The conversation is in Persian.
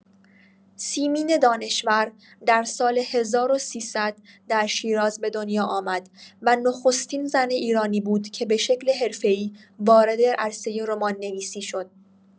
سیمین دانشور در سال ۱۳۰۰ در شیراز به دنیا آمد و نخستین زن ایرانی بود که به شکل حرفه‌ای وارد عرصه رمان‌نویسی شد.